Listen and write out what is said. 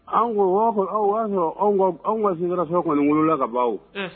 Y'a sɔrɔ an ka sin fɛn kɔni wolola ka baw